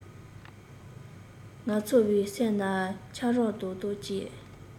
ང ཚོའི སེམས ན ཆབ རོམ རྡོག རྡོག གཅིག